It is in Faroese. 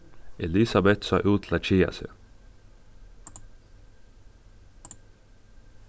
elisabet sá út til at keða seg